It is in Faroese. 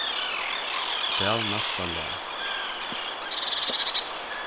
spæl næsta lag